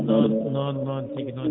noon noon noon tigi noon